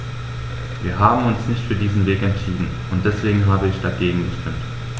Wir haben uns nicht für diesen Weg entschieden, und deswegen habe ich dagegen gestimmt.